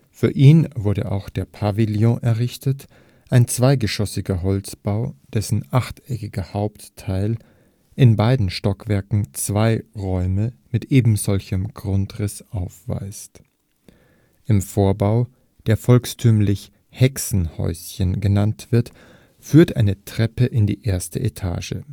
Für ihn wurde auch der Pavillon errichtet, ein zweigeschossiger Holzbau, dessen achteckiger Hauptteil in beiden Stockwerken zwei Räume mit ebensolchem Grundriss aufweist. Im Vorbau, der volkstümlich „ Hexenhäuschen “genannt wird, führt eine Treppe in die erste Etage